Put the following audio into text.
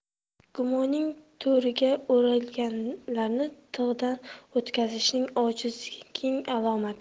gumoning to'riga o'ralganlarni tig'dan o'tkazishing ojizliging alomati